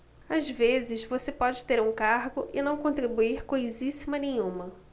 às vezes você pode ter um cargo e não contribuir coisíssima nenhuma